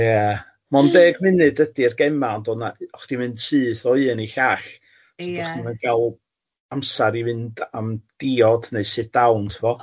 Ie, mond deg munud ydy'r gema ond o'n na- o' chdi'n mynd syth o un i llall... Ia. ...so do' chdi ddim yn cael amsar i fynd am diod neu sit down timod.